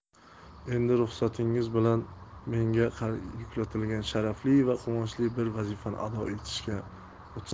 endi ruxsatingiz bilan menga yuklatilgan sharafli va quvonchli bir vazifani ado etishga o'tsam